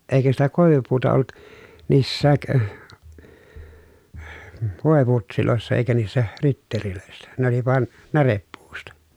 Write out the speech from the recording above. eikä sitä koivupuuta ollut niissäkään voiputseissa eikä niissä ritteleissä ne oli vaan närepuusta